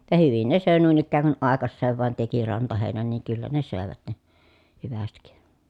ja hyvin ne söi noin ikään kuin aikaiseen vain teki rantaheinän niin kyllä ne söivät ne hyvästi